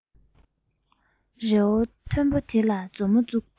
རི བོ མཐོན པོ དེ ལ མཛུབ མོ བཙུགས